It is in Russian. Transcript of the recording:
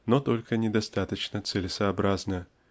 но только недостаточно целесообразно